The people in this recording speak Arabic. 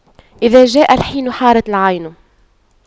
إذا جاء الحين حارت العين